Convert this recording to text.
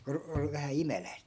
kun - oli vähän imeläisiä